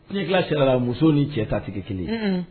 Fiila sera muso ni cɛ tatigi kelen